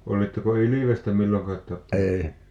oletteko ilvestä milloinkaan tappanut